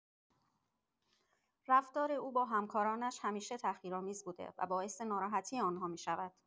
رفتار او با همکارانش همیشه تحقیرآمیز بوده و باعث ناراحتی آن‌ها می‌شود.